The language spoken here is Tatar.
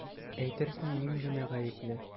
Әйтерсең мин генә гаепле!